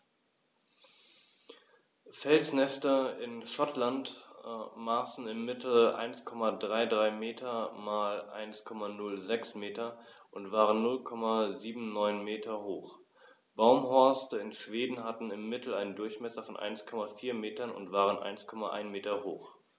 Felsnester in Schottland maßen im Mittel 1,33 m x 1,06 m und waren 0,79 m hoch, Baumhorste in Schweden hatten im Mittel einen Durchmesser von 1,4 m und waren 1,1 m hoch.